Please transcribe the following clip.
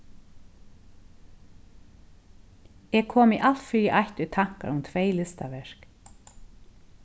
eg komi alt fyri eitt í tankar um tvey listaverk